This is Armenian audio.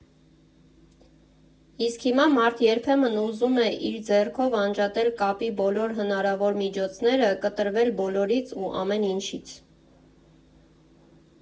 Իսկ հիմա մարդ երբեմն ուզում է իր ձեռքով անջատել կապի բոլոր հնարավոր միջոցները, կտրվել բոլորից ու ամեն ինչից։